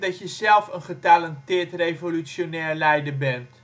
zelf een getalenteerd revolutionair leider bent